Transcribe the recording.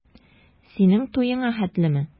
Синең туеңа хәтлеме?